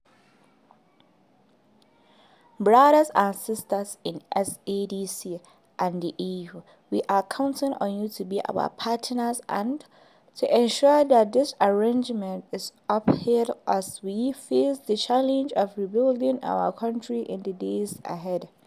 Brothers and sisters in SADC and the AU, we are counting on you to be our partners and to ensure that this agreement is upheld as we face the challenges of rebuilding our country in the days ahead.